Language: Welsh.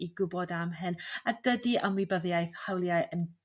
i gw'bod am hyn a dydi ymwybyddiaeth hawliau yn